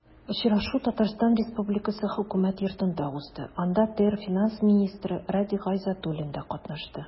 Очрашу Татарстан Республикасы Хөкүмәт Йортында узды, анда ТР финанс министры Радик Гайзатуллин да катнашты.